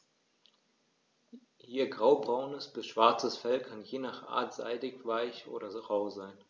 Ihr graubraunes bis schwarzes Fell kann je nach Art seidig-weich oder rau sein.